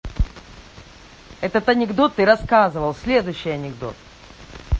этот анекдот ты рассказывал следующий анекдот